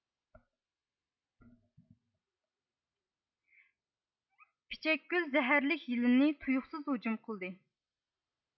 پىچەكگۈل زەھەرلىك يىلىنى تۇيۇقسىز ھۇجۇم قىلدى